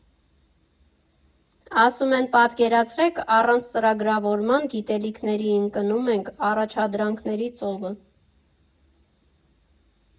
Ասում են՝ պատկերացրեք առանց ծրագրավորման գիտելիքների ընկնում ենք առաջադրանքների ծովը։